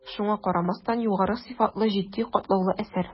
Шуңа карамастан, югары сыйфатлы, житди, катлаулы әсәр.